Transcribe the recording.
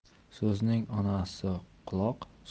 so'zning onasi quloq